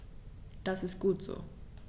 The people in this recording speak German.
Das ist gut so.